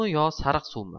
yo sariq suvmi